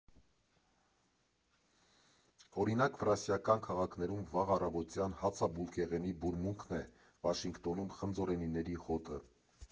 Օրինակ՝ ֆրանսիական քաղաքներում վաղ առավոտյան հացաբուլկեղենի բուրմունքն է, Վաշինգթոնում՝ խնձորենիների հոտ։